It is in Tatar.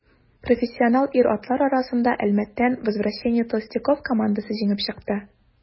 Профессионал ир-атлар арасында Әлмәттән «Возвращение толстяков» командасы җиңеп чыкты.